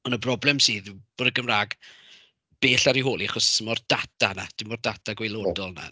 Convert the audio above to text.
Ond y broblem sydd yw bod y Gymraeg bell ar ei hôl i achos 'sdim mo'r data 'na, ti'n gwbod y data gwaelodol yna.